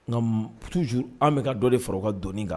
Nka ptu an bɛka ka dɔ de fara ka dɔni kan